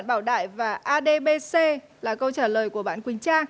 bảo đại và a đê bê xê là câu trả lời của bạn quỳnh trang